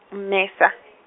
Mmesa .